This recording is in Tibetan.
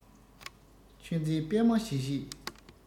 ཆུ འཛིན པད མ བཞད བཞད